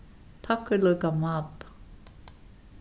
takk í líka máta